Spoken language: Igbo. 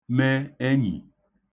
me enyì